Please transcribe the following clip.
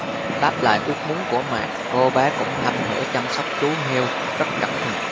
đáp lại ước muốn của mẹ cô bé cũng hăm hở chăm sóc chú heo rất cẩn thận